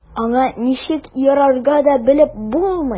Аңа ничек ярарга да белеп булмый.